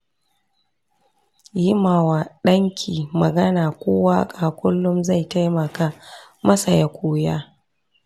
yimawa danki magana ko waka kullum zai taimaka masa ya koya.